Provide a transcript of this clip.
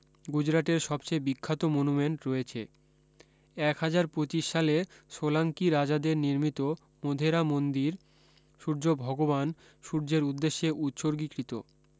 গুজরাটের সবচেয়ে বিখ্যাত মনুমেন্ট রয়েছে এক হাজার পঁচিশ শালে সোলাঙ্কি রাজাদের নির্মিত মোধেরা মন্দির সূর্য ভগবান সূর্যের উদ্দেশ্যে উৎসর্গীকৃত